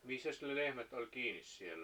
missäs ne lehmät oli kiinni siellä